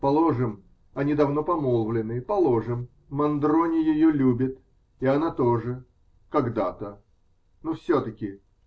Положим, они давно помолвлены; положим, Мандрони ее любит, и она тоже. когда-то. Но все-таки.